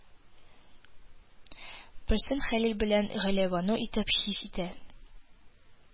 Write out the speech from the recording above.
Берсен хәлил белән галиябану итеп хис итәләр